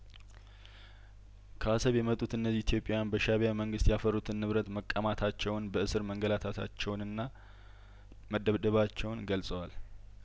ከአሰብ የመጡት እነዚህ ኢትዮጵያውያን በሻእቢያመንግስት ያፈሩ ትንንብረት መቀማታቸውን በእስር መንገላታታቸውንና መደብደባቸውን ገልጸዋል